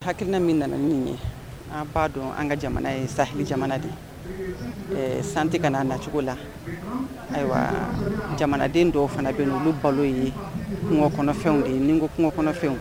Hakiina min nana ni nin ye an b'a dɔn an ka jamana ye sa jamana de ye san tɛ ka'a nacogo la ayiwa jamanaden dɔw fana bɛ olu balo ye kungo kɔnɔfɛn o ye ni ko kungo kɔnɔfɛnw